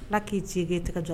Ala ki ci , i ki tɛgɛ jɔ